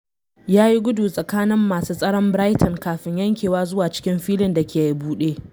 Ya yi gudu tsakanin masu tsaron Brighton, kafin yankewa zuwa cikin filin da ke buɗe.